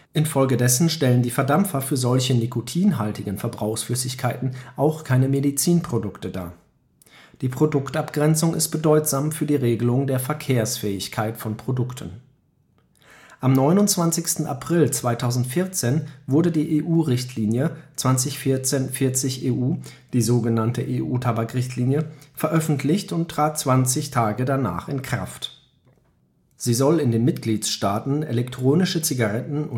Infolgedessen stellen die Verdampfer für solche nikotinhaltigen Verbrauchsflüssigkeiten auch keine Medizinprodukte dar. Die Produktabgrenzung ist bedeutsam für die Regelung der Verkehrsfähigkeit von Produkten. Am 29. April 2014 wurde die EU-Richtlinie 2014/40/EU (EU-Tabakrichtlinie) veröffentlicht und trat 20 Tage danach in Kraft. Sie soll in den Mitgliedstaaten elektronische Zigaretten